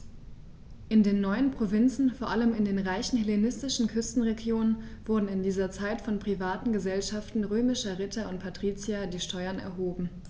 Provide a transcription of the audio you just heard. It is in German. In den neuen Provinzen, vor allem in den reichen hellenistischen Küstenregionen, wurden in dieser Zeit von privaten „Gesellschaften“ römischer Ritter und Patrizier die Steuern erhoben.